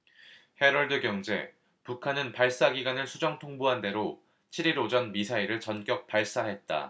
헤럴드경제 북한은 발사 기간을 수정 통보한대로 칠 일 오전 미사일을 전격 발사했다